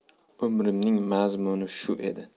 umrimning mazmuni shu edi